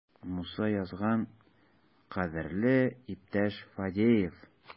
Муса язган: "Кадерле иптәш Фадеев!"